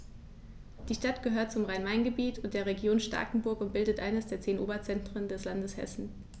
Die Stadt gehört zum Rhein-Main-Gebiet und der Region Starkenburg und bildet eines der zehn Oberzentren des Landes Hessen.